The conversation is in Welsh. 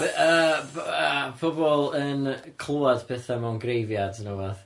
Be- yy py- yy pobl yn clywad petha mewn graveyard ne' wbath.